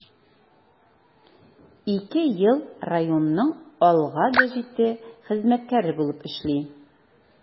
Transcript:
Ике ел районның “Алга” гәзите хезмәткәре булып эшли.